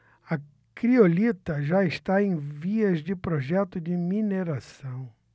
a criolita já está em vias de projeto de mineração